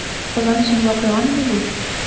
Казан өчен вакыйгамыни бу?